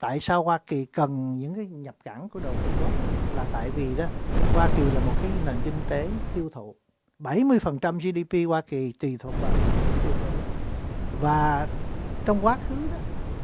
tại sao hoa kỳ cần những cái nhập cảng của đồ trung quốc là tại vì đó hoa kỳ là một cái nền kinh tế tiêu thụ bảy mươi phần trăm di đi pi hoa kỳ tùy thuộc vào mức tiêu thụ và trong quá khứ đó